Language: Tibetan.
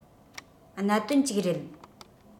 གནད དོན ཅིག རེད